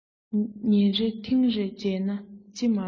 ཉིན རེར ཐེངས རེ མཇལ ན ཅི མ རུང